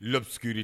Sigiri